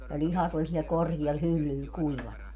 ja lihat oli siellä korkealla hyllyllä kuivana